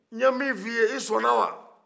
n ye min fɔ i ye i sɔnna wa